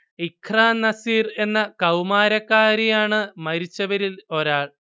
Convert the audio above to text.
ഇഖ്ര നസീർ എന്ന കൗമാരക്കാരിയാണ് മരിച്ചവരിൽ ഒരാൾ